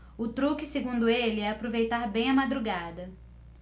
o truque segundo ele é aproveitar bem a madrugada